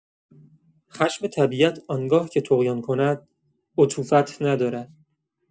خشم طبیعت آنگاه که طغیان کند، عطوفت ندارد.